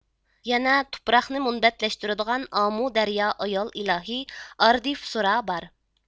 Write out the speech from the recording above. يەنە تۇپراقنى مۇنبەتلەشتۈرىدىغان ئامۇ دەريا ئايال ئىلاھى ئاردىۋسۇرا بار